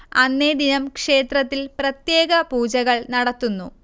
അന്നേ ദിനം ക്ഷേത്രത്തിൽ പ്രത്യേക പൂജകൾ നടത്തുന്നു